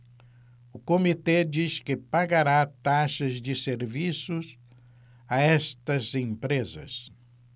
o comitê diz que pagará taxas de serviço a estas empresas